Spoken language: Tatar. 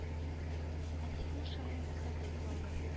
Әтисенә шаян күз дә кысып алды